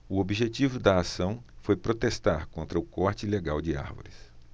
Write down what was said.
o objetivo da ação foi protestar contra o corte ilegal de árvores